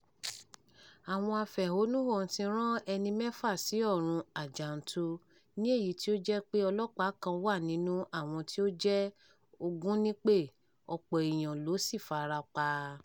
Àwọn afẹ̀hónúhàn ti rán ẹni mẹ́fà sí ọ̀run àjànto, ní èyí tí ó jẹ́ pé ọlọ́pàá kan wà nínúu àwọn tí ó jẹ́ Ògún nípè, ọ̀pọ̀ èèyàn ló sì fi ara pa.